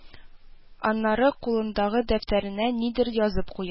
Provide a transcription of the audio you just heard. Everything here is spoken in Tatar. Аннары кулындагы дәфтәренә нидер язып куя